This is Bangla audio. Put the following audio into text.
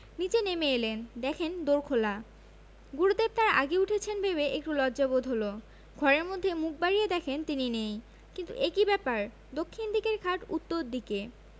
নীচে নেমে এলেন দেখেন দোর খোলা গুরুদেব তাঁর আগে উঠেছেন ভেবে একটু লজ্জা বোধ হলো ঘরের মধ্যে মুখ বাড়িয়ে দেখেন তিনি নেই কিন্তু এ কি ব্যাপার দক্ষিণ দিকের খাট উত্তর দিকে